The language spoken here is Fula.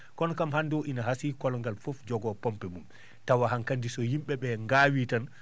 kono kam hannde o ina hasii kologal fof jogoo pompe mum tawa han kandi so yimɓe ɓe ngaawii tan